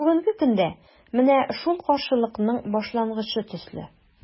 Бүгенге көндә – менә шул каршылыкның башлангычы төсле.